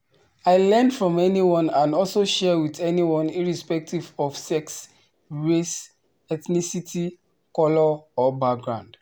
I learn from anyone and also share with anyone irrespective of sex, race, ethnicity, color or background.